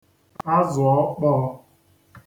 azụ̀ọkpọọ̄